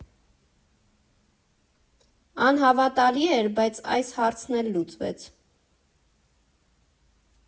Անհավատալի էր, բայց այս հարցն էլ լուծվեց։